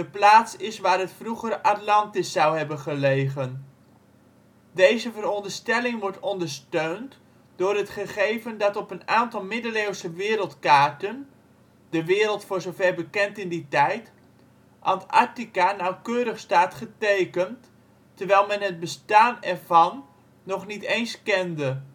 plaats is waar het vroegere Atlantis zou hebben gelegen. Deze veronderstelling wordt ondersteund door het gegeven dat op een aantal middeleeuwse wereldkaarten (de ' wereld ' voor zover bekend in die tijd) Antarctica nauwkeurig staat getekend, terwijl men het bestaan ervan nog niet eens kende